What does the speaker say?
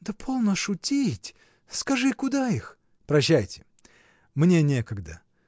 — Да полно шутить, скажи, куда их?. — Прощайте, мне некогда.